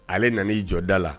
Ale nana ii jɔda la